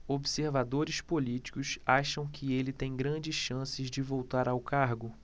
observadores políticos acham que ele tem grandes chances de voltar ao cargo